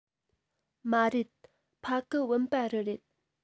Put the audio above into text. མ རེད ཕ གི བུམ པ རི རེད